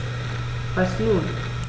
Was nun?